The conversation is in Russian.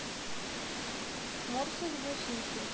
морс из брусники